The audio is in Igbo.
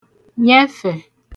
nyẹfẹ̀